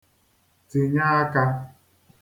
-tinye aka